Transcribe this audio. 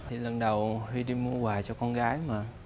thì lần đầu huy đi mua quà cho con gái mà